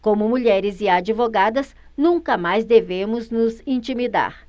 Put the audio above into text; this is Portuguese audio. como mulheres e advogadas nunca mais devemos nos intimidar